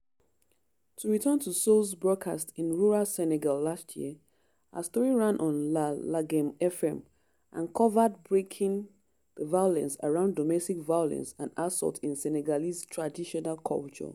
To return to Sow's broadcast in rural Senegal last year: her story ran on La Laghem FM, and covered breaking the silence around domestic violence and assault in Senegalese traditional culture.